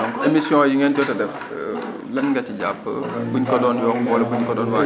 donc émission yi ngeen jot a def lan nga ci jàpp bu ñu ko doon yokku wala bu ñu ko doon wàññi